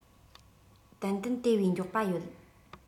ཏན ཏན དེ བས མགྱོགས པ ཡོད